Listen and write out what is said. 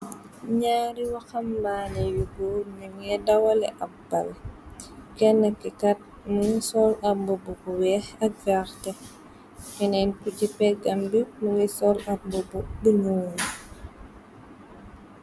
Naari waxambaane yu goor niñgiy dawale ab bal. Kenn ki kat muñ sool ab mbobu bu weex ak werte. Keneen ki pucji pegambi mugi sool ab mbobu bu ñul.